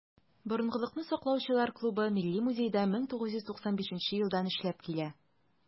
"борынгылыкны саклаучылар" клубы милли музейда 1995 елдан эшләп килә.